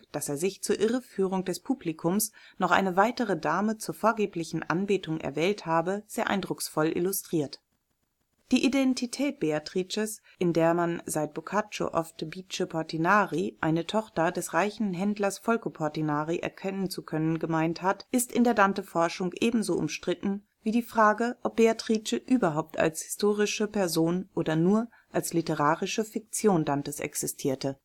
dass er sich zur Irreführung des Publikums noch eine weitere Dame zur vorgeblichen Anbetung erwählt habe, sehr eindrucksvoll illustriert. Die Identität Beatrices, in der man seit Boccaccio oft Bice Portinari, eine Tochter des reichen Händlers Folco Portinari, erkennen zu können gemeint hat, ist in der Danteforschung ebenso umstritten wie die Frage, ob Beatrice überhaupt als historische Person oder nur als literarische Fiktion Dantes existierte